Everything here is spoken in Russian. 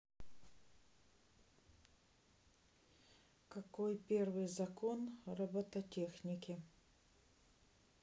какой первый закон робототехники